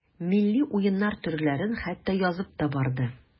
Милли уеннар төрләрен хәтта язып та барды.